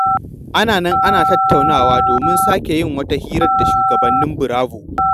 Ana nan ana tattaunawa domin sake yin wata hirar da shugabannin BRAVO!